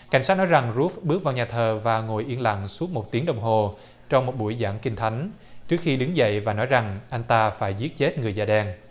cảnh sát nói rằng rúp bước vào nhà thờ và ngồi yên lặng suốt một tiếng đồng hồ trong một buổi giảng kinh thánh trước khi đứng dậy và nói rằng anh ta phải giết chết người da đen